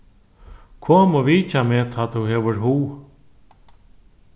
kom og vitja meg tá tú hevur hug